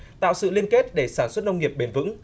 tạo sự liên kết để sản xuất nông nghiệp bền vững